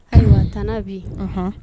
Ayiwa t bi yen